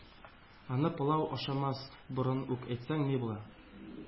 Аны пылау ашамас борын ук әйтсәң ни була!